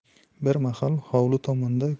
bir mahal hovli tomonda